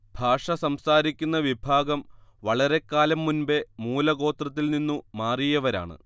ഭാഷ സംസാരിക്കുന്ന വിഭാഗം വളരെക്കാലം മുൻപെ മൂലഗോത്രത്തിൽനിന്നു മാറിയവരാണ്